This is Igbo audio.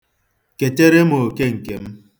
ketere m oke nke m.